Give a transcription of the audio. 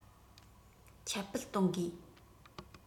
ཁྱབ སྤེལ གཏོང དགོས